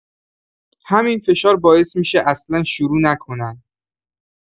همین فشار باعث می‌شه اصلا شروع نکنن.